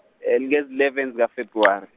lingezi eleven zika- February.